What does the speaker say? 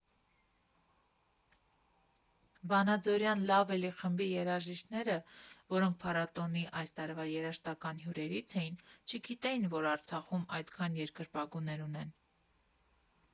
Վանաձորյան «Լավ էլի» խմբի երաժիշտները, որոնք փառատոնի այս տարվա երաժշտական հյուրերից էին, չգիտեին, որ Արցախում այդքան երկրպագուներ ունեն.